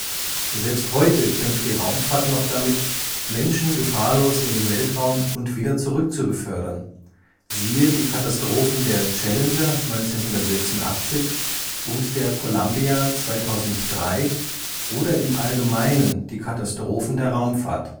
Selbst heute kämpft die Raumfahrt noch damit, Menschen gefahrlos in den Weltraum und wieder zurück zu befördern, siehe die Katastrophen der Challenger 1986 und der Columbia 2003, oder im Allgemeinen die Katastrophen der Raumfahrt